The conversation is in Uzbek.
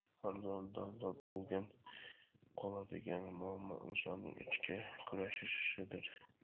har doim dolzarb bo'lib qoladigan muammo insonning ichki kurashidir